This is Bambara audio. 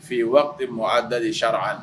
F' ye waati mɔgɔ a da de sara an